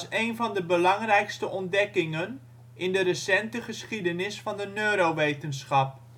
een van de belangrijkste ontdekkingen in de recente geschiedenis van de neurowetenschap